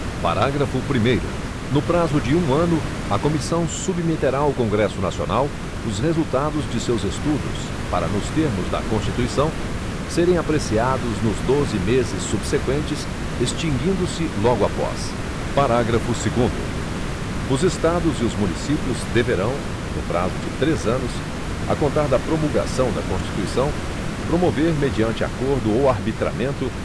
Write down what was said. parágrafo primeiro no prazo de um ano a comissão submeterá ao congresso nacional os resultados de seus estudos para nos termos da constituição serem apreciados nos doze meses subseqüentes extinguindo se logo após parágrafo segundo os estados e os municípios deverão no prazo de três anos a contar da promulgação da constituição promover mediante acordo ou arbitramento